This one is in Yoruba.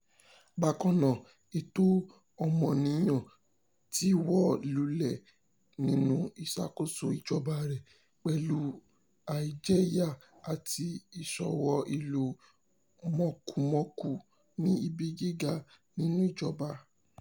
Bákan náà, ẹ̀tọ́ ọmọnìyàn ti wó lulẹ̀ nínú ìṣàkóso ìjọba rẹ̀, pẹ̀lú àìjẹ̀yà àti ìṣowó-ìlú-mọ̀kumọ̀ku ní ibi gíga nínú ìjọba.